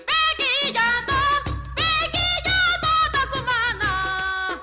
I katan' tɛ tɛ sɛgɛn la